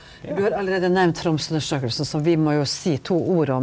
du har allereie nemnt Tromsøundersøkelsen som vi må jo seia to ord om.